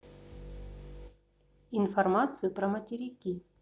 информацию про материки